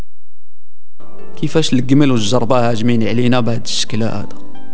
كيف اشغل جميل الزرقاء عجمي نبات الشوكولاته